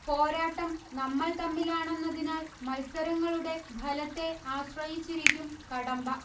പോരാട്ടം നമ്മൾ തമ്മിലാണെന്നതിനാൽ മല്സരങ്ങളുടെ ഫലത്തെ ആശ്രയിച്ചിരിക്കും കടമ്പ